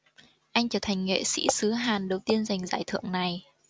anh trở thành nghệ sĩ xứ hàn đầu tiên giành giải thưởng này